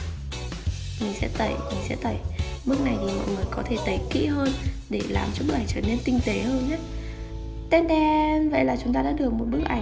mình sẽ tẩy sẽ tẩy lúc này bạn có thể tẩy kĩ hơn để làm cho bức ảnh trở nên tinh tế hơn nha ten tennn vậy là chúng ta đã được một bức ảnh